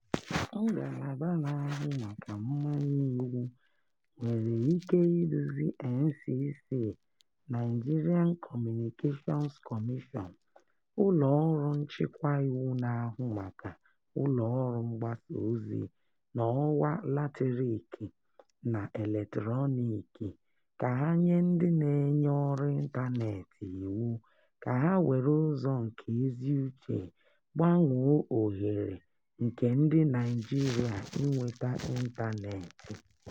Ngalaba na-ahụ maka Mmanye Iwu nwere ike iduzi NCC [Nigerian Communications Commission — ụlọ ọrụ nchịkwa iwu na-ahụ maka ụlọ ọrụ mgbasa ozi n'ọwa latịriiki na eletroniiki] ka ha nye ndị na-enye ọrụ ịntaneetị iwu ka ha were ụzọ nke ezi uche gbanyụọ ohere nke ndị Naịjirịa inweta ịntaneetị.